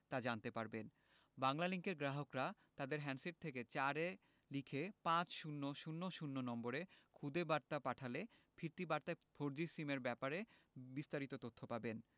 তা জানতে পারবেন বাংলালিংকের গ্রাহকরা তাদের হ্যান্ডসেট থেকে ৪ এ লিখে পাঁচ শূণ্য শূণ্য শূণ্য নম্বরে খুদে বার্তা পাঠালে ফিরতি বার্তায় ফোরজি সিমের বিষয়ে তথ্য পাবেন